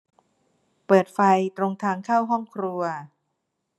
เปิดไฟตรงทางเข้าห้องครัว